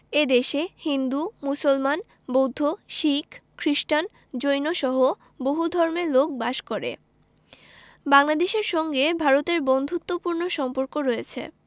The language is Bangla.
এ দেশে হিন্দু মুসলমান বৌদ্ধ শিখ খ্রিস্টান জৈনসহ বহু ধর্মের লোক বাস করে বাংলাদেশের সঙ্গে ভারতের বন্ধুত্তপূর্ণ সম্পর্ক রয়ছে